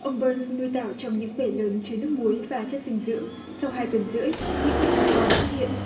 ông bơn nuôi tảo trong những bể lớn chứa nước muối và chất dinh dưỡng sau hai tuần rưỡi những con hàu con xuất hiện